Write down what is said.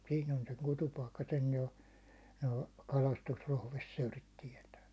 siinä on sen kutupaikka sen jo nuo kalastusprofessorit tietää